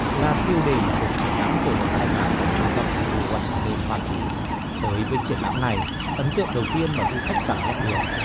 là tiêu đề một cuộc triển lãm vừa được khai mạc tại trung tâm thủ đô oa sinh tơn hoa kỳ tới với triển lãm này ấn tượng đầu tiên mà du khách cảm nhận được